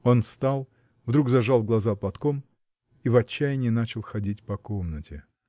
Он встал, вдруг зажал глаза платком и в отчаянии начал ходить по комнате.